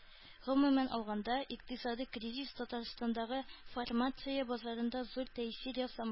Гомумән алганда, икътисадый кризис Татарстандагы фармация базарына зур тәэсир ясамады